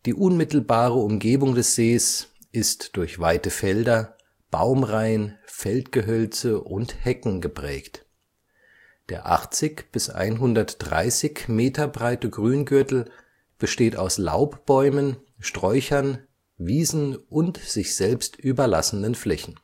unmittelbare Umgebung des Sees ist durch weite Felder, Baumreihen, Feldgehölze und Hecken geprägt. Der 80 bis 130 Meter breite Grüngürtel besteht aus Laubbäumen, Sträuchern, Wiesen und sich selbst überlassenen Flächen